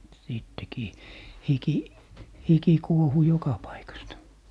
sittenkin hiki hiki kuohui joka paikasta